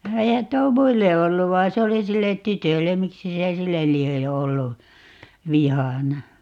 eihän tuo muille ollut vaan se oli sille tytölle miksi se sille lie ollut vihana